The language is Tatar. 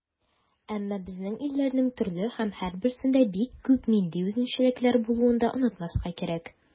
Әмма безнең илләрнең төрле һәм һәрберсендә бик күп милли үзенчәлекләр булуын да онытмаска кирәк.